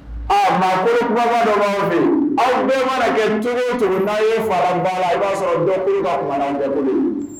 A ma ko baba dɔgɔ a tun bɛ maraka nto tunda ye faba la i b'a sɔrɔ i